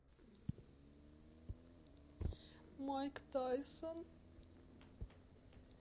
майк тайсон